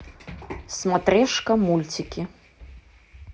смотрешка мультики